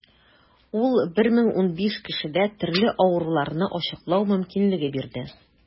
Ул 1015 кешедә төрле авыруларны ачыклау мөмкинлеге бирде.